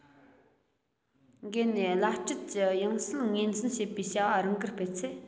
འགལ ནས བླ སྤྲུལ གྱི ཡང སྲིད ངོས འཛིན བྱེད པའི བྱ བ རང དགར སྤེལ ཚེ